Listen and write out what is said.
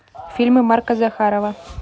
фильмы марка захарова